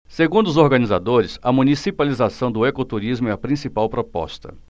segundo os organizadores a municipalização do ecoturismo é a principal proposta